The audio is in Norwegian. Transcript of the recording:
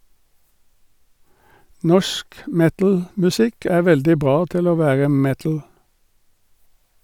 Norsk metalmusikk er veldig bra til å være metal.